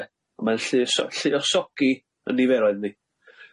de a mae'n lluos- lluosogi y niferoedd ni.